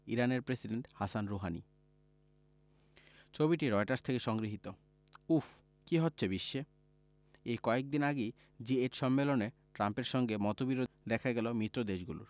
ইরানের president Hassan Rouhani ছবিটি Reuters থেকে সংগৃহীত উফ্ কী হচ্ছে বিশ্বে এই কয়েক দিন আগেই জি এইট সম্মেলনে ট্রাম্পের সঙ্গে মতবিরোধ দেখা গেল মিত্রদেশগুলোর